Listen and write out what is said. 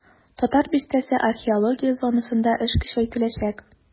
"татар бистәсе" археология зонасында эш көчәйтеләчәк.